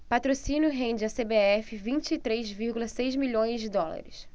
patrocínio rende à cbf vinte e três vírgula seis milhões de dólares